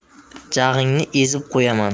jig'ingni ezib qo'yaman